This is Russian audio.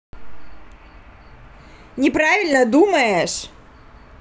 неправильно думаешь